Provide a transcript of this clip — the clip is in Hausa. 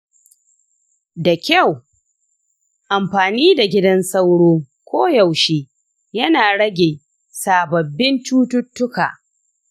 da kyau; amfani da gidan sauro koyaushe yana rage sababbin cututtuka.